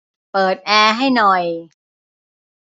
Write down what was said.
เปิดแอร์ให้หน่อย